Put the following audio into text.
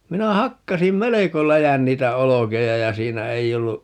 minä hakkasin melko läjän niitä olkia ja siinä ei ollut